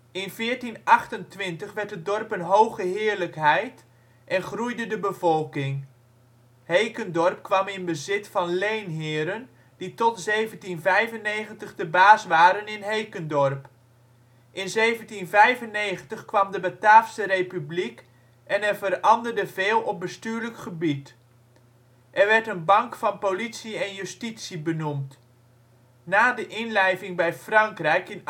In 1428 werd het dorp een Hoge Heerlijkheid en groeide de bevolking. Hekendorp kwam in bezit van leenheren die tot 1795 de baas waren in Hekendorp. In 1795 kwam de Bataafse Republiek en er veranderde veel op bestuurlijk gebied. Er werd een ' bank van politie en justitie ' benoemd. Na de inlijving bij Frankrijk in